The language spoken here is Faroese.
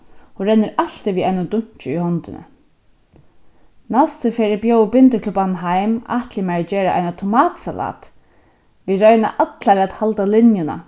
hon rennur altíð við einum dunki í hondini næstu ferð eg bjóði bindiklubbanum heim ætli eg mær at gera eina tomatsalat vit royna allar at halda linjuna